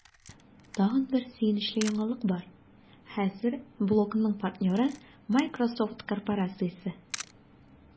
Тагын бер сөенечле яңалык бар: хәзер блогның партнеры – Miсrosoft корпорациясе!